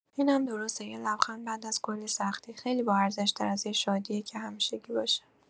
اینم درسته، یه لبخند بعد از کلی سختی، خیلی باارزش‌تر از یه شادیه که همیشگی باشه.